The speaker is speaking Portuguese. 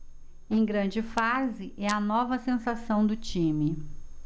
em grande fase é a nova sensação do time